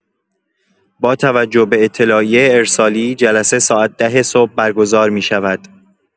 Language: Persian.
با توجه به اطلاعیه ارسالی، جلسه ساعت ده صبح برگزار می‌شود.